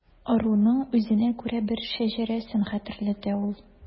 Ыруның үзенә күрә бер шәҗәрәсен хәтерләтә ул.